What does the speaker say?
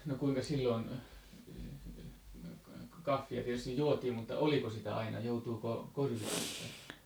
no kuinka silloin kahvia tietysti juotiin mutta oliko sitä aina joutuiko korviketta